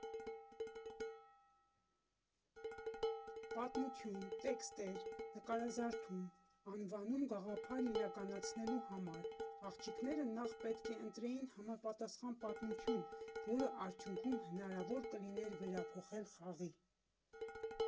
Պատմություն, տեքստեր, նկարազարդում, անվանում Գաղափարն իրականացնելու համար, աղջիկները նախ՝ պիտի ընտրեին համապատասխան պատմություն, որը արդյունքում հնարավոր կլիներ վերափոխել խաղի։